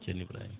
ceerno Ibrahima